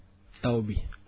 taw bi